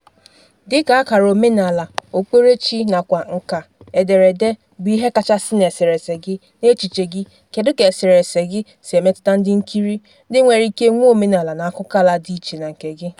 OM: Dika akara omenala/okpukperechi nakwa nkà ederede bụ ihe kachasị n'eserese gị, n'echiche gị, kedu ka eserese gị sị emetụta ndị nkiri ndị nwere ike nwee omenala na akụkọala dị iche na nke gị?